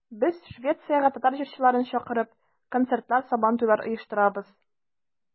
Без, Швециягә татар җырчыларын чакырып, концертлар, Сабантуйлар оештырабыз.